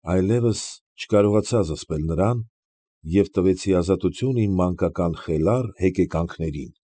Այլևս չկարողացա զսպել նրան և տվեցի ազատություն իմ մանկական խելառ հեկեկանքներին։